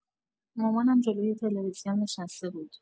مامانم جلوی تلویزیون نشسته بود.